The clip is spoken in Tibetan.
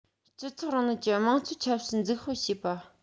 སྤྱི ཚོགས རིང ལུགས ཀྱི དམངས གཙོའི ཆབ སྲིད འཛུགས སྤེལ བྱེད པ